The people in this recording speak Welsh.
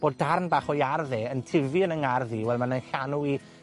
bod darn bach o'i ardd e yn tifu yn 'yn ngardd i, wel ma'n 'yn llanw i